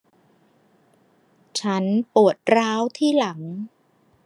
ฉันปวดร้าวที่หลัง